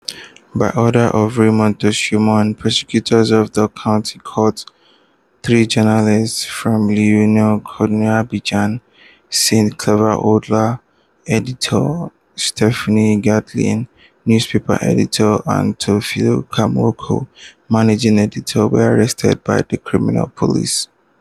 By order of Raymond Tchimou Fehou, Prosecutor of the county court, three journalists from Le Nouveau Courrier d'Abidjan, Saint Claver Oula, editor, Steéphane Guédé, newspaper editor and Théophile Kouamouo, managing editor, were arrested by the Criminal Police.